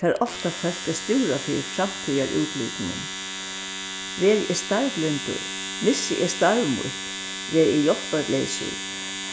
fær ofta fólk at stúra fyri framtíðarútlitunum verði eg starblindur missi eg starv mítt verði eg hjálparleysur